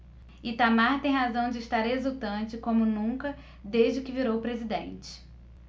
itamar tem razão de estar exultante como nunca desde que virou presidente